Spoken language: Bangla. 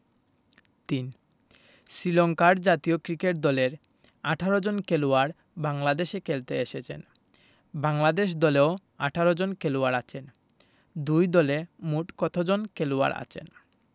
৩ শ্রীলংকার জাতীয় ক্রিকেট দলের ১৮ জন খেলোয়াড় বাংলাদেশে খেলতে এসেছেন বাংলাদেশ দলেও ১৮ জন খেলোয়াড় আছেন দুই দলে মোট কতজন খেলোয়াড় আছেন